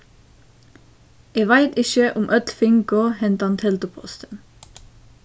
eg veit ikki um øll fingu hendan teldupostin